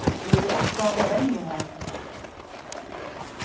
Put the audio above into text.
eg eri ofta og venji har